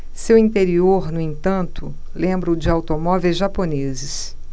seu interior no entanto lembra o de automóveis japoneses